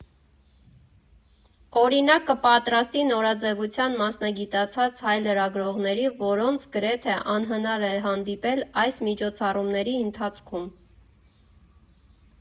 Օրինակ կպատրաստի նորաձևության մասնագիտացած հայ լրագրողների, որոնց գրեթե անհնար էր հանդիպել այս միջոցառումների ընթացքում։